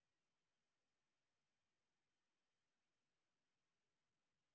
настоящее страшное тв